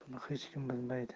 buni hech kim bilmaydi